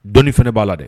Dɔni fɛnɛ b'a la dɛ